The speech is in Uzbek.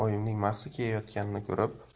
oyimning mahsi kiyayotganini ko'rib